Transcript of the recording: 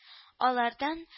Алардан